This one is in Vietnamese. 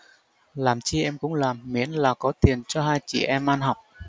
làm chi em cũng làm miễn là có tiền cho hai chị em ăn học